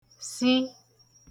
sì